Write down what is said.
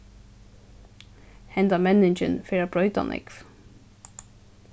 hendan menningin fer at broyta nógv